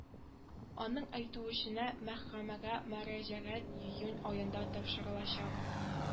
Аның әйтүеченә мәхкамәгә мөрәҗәгать июнь аенда тапшырылачак